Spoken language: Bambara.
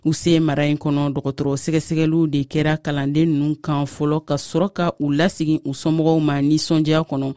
u se mara in kɔnɔ dɔgɔtɔrɔ sɛgɛsɛgɛliw de kɛra kalanden ninnu kan fɔlɔ ka sɔrɔ ka u lasegin u somɔgɔw ma nisɔndiya kɔnɔ